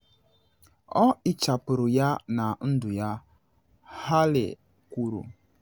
“O hichapụrụ ya na ndụ ya,” Hale kwuru.